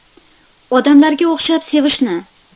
odamlarga o'xshab sevishni